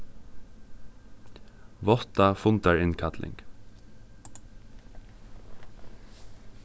vátta fundarinnkalling